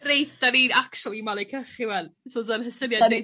Reit 'dan ni'n actually malu cach ŵan so syniad i ni...